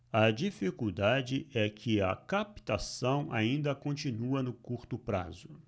a dificuldade é que a captação ainda continua no curto prazo